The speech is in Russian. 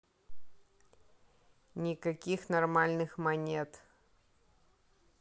никаких нормальных монет